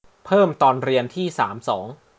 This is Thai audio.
เพิ่มตอนเรียนที่สามสอง